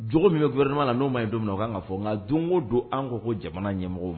J min bɛ wɛrɛin na n'o ma yen don min na u ka kan ka fɔ n nka don o don an kɔ ko jamana ɲɛmɔgɔ